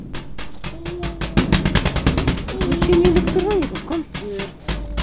приключения электроников концерт